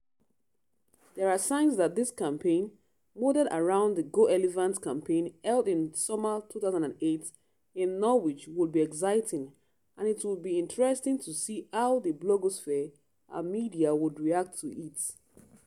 There are signs that this campaign – modeled around the Go Elephants campaign held in Summer 2008 in Norwich- will be exciting and it would be interesting to see how the blogosphere and media will react to it.